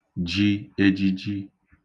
jī ējījī